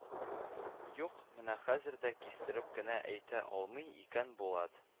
Юк, менә хәзер дә кистереп кенә әйтә алмый икән Булат